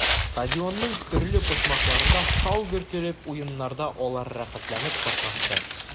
Стадионның төрле почмакларында шау-гөр килеп уеннарда алар рәхәтләнеп катнашты.